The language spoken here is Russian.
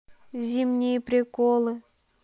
зимние приколы